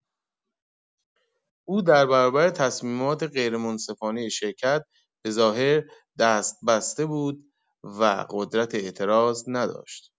او در برابر تصمیمات غیرمنصفانه شرکت، به‌ظاهر دست‌بسته بود و قدرت اعتراض نداشت.